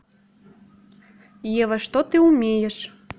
ева что ты умеешь